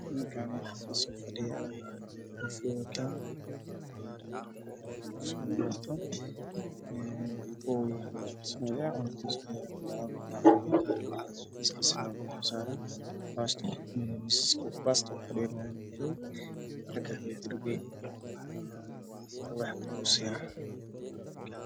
Waa nin fadhiya xafiis kursiga waa madow